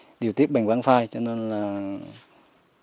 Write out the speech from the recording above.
điều tiết bằng goai phai cho nên là